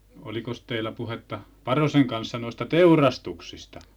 olikos teillä puhetta Parosen kanssa noista teurastuksista